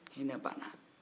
hinɛ banna